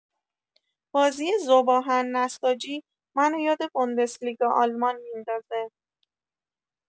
بازی ذوب‌آهن نساجی منو یاد بوندسلیگا آلمان میندازه